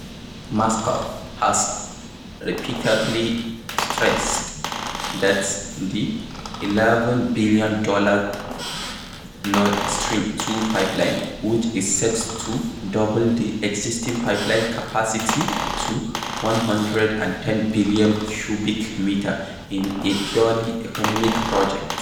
Moscow has repeatedly stressed that the $11 billion Nord Stream 2 pipeline, which is set to double the existing pipeline capacity to 110 billion cubic meters, is a purely economic project.